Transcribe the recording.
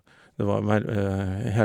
Det var verv hel...